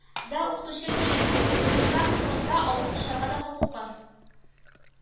Да укытучы кешенең никах турында авыз ачарга да хокукы